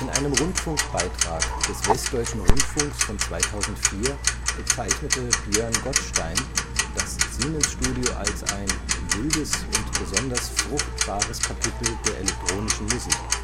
einem Rundfunkbeitrag des Westdeutschen Rundfunks von 2004 bezeichnete Björn Gottstein das Siemens-Studio als ein „ wildes und besonders fruchtbares Kapitel der elektronischen Musik